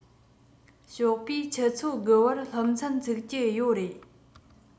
ཞོགས པའི ཆུ ཚོད དགུ པར སློབ ཚན ཚུགས ཀྱི ཡོད རེད